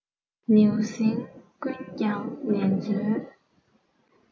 ནེའུ གསིང ཀུན ཀྱང ནེ ཙོའི